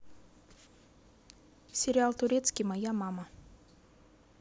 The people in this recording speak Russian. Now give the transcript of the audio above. сериал турецкий моя мама